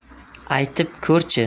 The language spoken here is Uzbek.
aytib ko'r chi